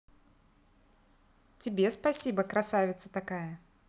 тебе спасибо красавица такая